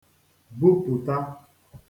bupụ̀ta